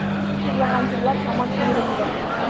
Сез җырлаган җырлар һаман күңелемдә.